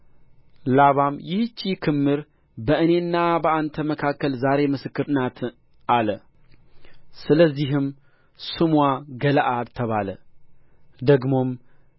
ላባም ይህች ክምር በእኔና በአንተ መካከል ዛሬ ምስክር ናት አለ ስለዚህም ስምዋ ገለዓድ ተባለ ደግሞም